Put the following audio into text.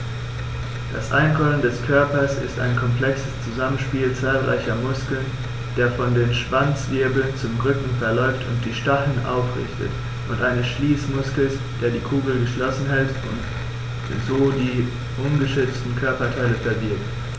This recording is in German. Das Einrollen des Körpers ist ein komplexes Zusammenspiel zahlreicher Muskeln, der von den Schwanzwirbeln zum Rücken verläuft und die Stacheln aufrichtet, und eines Schließmuskels, der die Kugel geschlossen hält und so die ungeschützten Körperteile verbirgt.